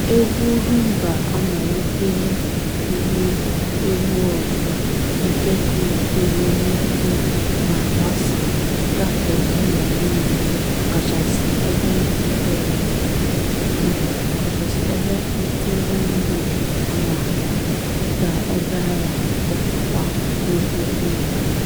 Egwu Rhumba amalitela iwu ewu ọzọ nke kulitere n'ike ma gbasaa, gafee Kenya niile ọkachasị ebe ntụrụndụ ama ama dịka ebe a na-akpọkwa egwu Rhumba.